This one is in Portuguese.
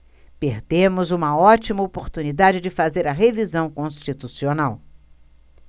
perdemos uma ótima oportunidade de fazer a revisão constitucional